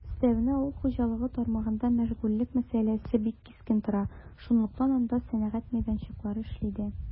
Өстәвенә, авыл хуҗалыгы тармагында мәшгульлек мәсьәләсе бик кискен тора, шунлыктан анда сәнәгать мәйданчыклары эшли дә.